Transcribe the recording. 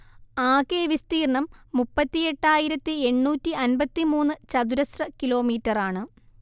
ആകെ വിസ്തീർണ്ണം മുപ്പത്തിയെട്ടായിരത്തിയെണ്ണൂറ്റിയമ്പത്തിമൂന്ന് ചതുരശ്ര കിലോമീറ്ററാണ്